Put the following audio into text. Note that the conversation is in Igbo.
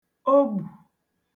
ogbù